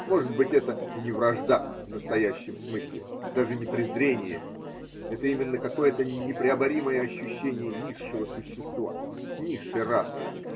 Может быть, это не вражда в настоящем смысле, даже не презрение: это именно какое-то непреоборимое ощущение низшего существа, низшей расы.